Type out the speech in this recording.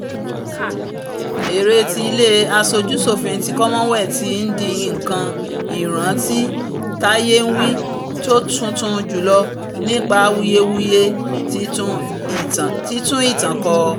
Èère ti ile Aṣojú-ṣòfin ti Cromwell ti ńdi nǹkan ìrántí táyénwí tó tuntun jùlọ nípa awuye-wuye 'títún ìtàn kọ'